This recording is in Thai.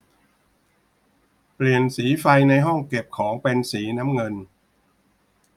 เปลี่ยนสีไฟในห้องเก็บของเป็นสีน้ำเงิน